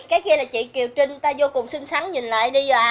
cái kia là chị kiều trinh ta vô cùng xinh xắn nhìn lại đi à